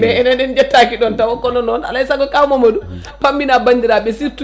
e enen en jettaki ɗon taw kono noon alay saago kaw Mamadou pammina bandiraɓe surtout